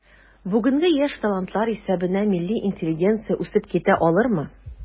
Бүгенге яшь талантлар исәбенә милли интеллигенция үсеп китә алырмы?